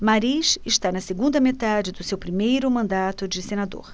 mariz está na segunda metade do seu primeiro mandato de senador